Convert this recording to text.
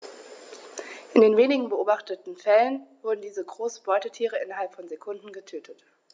In den wenigen beobachteten Fällen wurden diese großen Beutetiere innerhalb von Sekunden getötet.